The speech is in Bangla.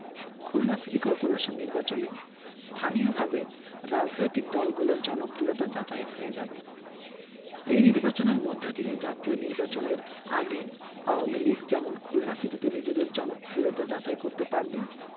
খুলনা সিটি করপোরেশন নির্বাচনে স্থানীয়ভাবে রাজনৈতিক দলগুলোর জনপ্রিয়তা যাচাই হয়ে যাবে এই নির্বাচনের মধ্য দিয়ে জাতীয় নির্বাচনের আগে আওয়ামী লীগ যেমন খুলনা সিটিতে নিজেদের জনপ্রিয়তা যাচাই করতে পারবে